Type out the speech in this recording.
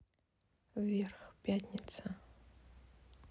вверх пятница